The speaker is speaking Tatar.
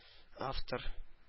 Автор